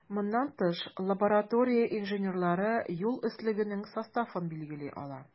Моннан тыш, лаборатория инженерлары юл өслегенең составын билгели ала.